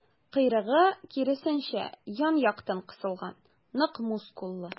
Койрыгы, киресенчә, ян-яктан кысылган, нык мускуллы.